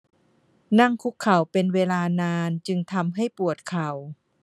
นั่งคุกเข่าเป็นเวลานานจึงทำให้ปวดเข่า